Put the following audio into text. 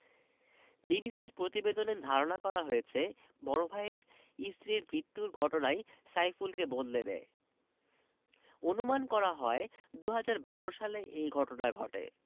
বিবিসির প্রতিবেদনে ধারণা করা হয়েছে বড় ভাইয়ের স্ত্রীর মৃত্যুর ঘটনাই সাইফুলকে বদলে দেয় অনুমান করা হয় ২০১২ সালে এ ঘটনা ঘটে